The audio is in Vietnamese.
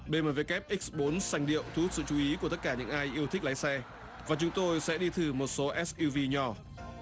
bê mờ vê kép íc bốn sành điệu thu hút sự chú ý của tất cả những ai yêu thích lái xe và chúng tôi sẽ đi thử một số ét ui vi nhỏ